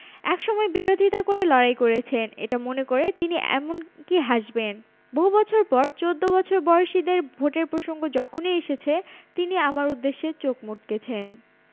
একসময় বিরোধিতা করে লড়াই করেছেন এটা মনে করে তিনি এমনকি হাসবেন বহু বছর পর চৌদ্দ বছর বয়সীদের ভোটের প্রসঙ্গ যখনই এসেছে তিনি আমার উদ্দেশে চোখ মটকেছেন